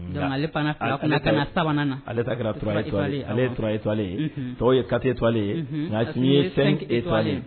Donc ale fana panna ka na sabanan, ale ta kɛra trois étoiles ale ye trois étoiles unhun, tɔw ye quatre étoiles ye nka Asimi ye cinq étoiles ye.